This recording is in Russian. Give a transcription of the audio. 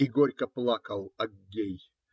И горько плакал Аггей.